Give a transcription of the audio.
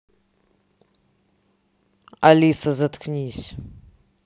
алиса заткнись